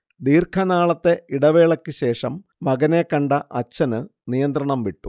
ദീർഘനാളത്തെ ഇടവേളയ്ക്കു ശേഷം മകനെ കണ്ട അച്ഛന് നിയന്ത്രണംവിട്ടു